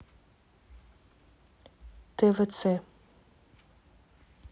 тв ц